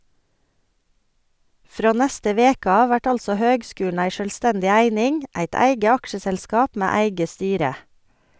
Frå neste veke av vert altså høgskulen ei sjølvstendig eining, eit eige aksjeselskap med eige styre.